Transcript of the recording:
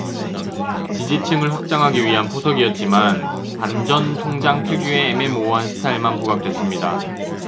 지지층을 확장하기 위한 포석이었지만 반 전 총장 특유의 애매모호한 스타일만 부각됐습니다